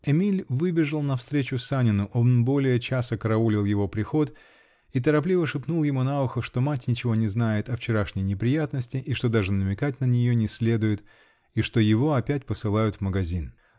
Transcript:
Эмиль выбежал навстречу Санину -- он более часа-- караулил его приход -- и торопливо шепнул ему на убо, что мать ничего не знает о вчерашней неприятности и что даже намекать на нее не следует, а что его опять посылают в магазин!!.